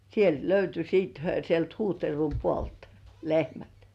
sieltä löytyi sitten he sieltä Huhtervun puolelta lehmät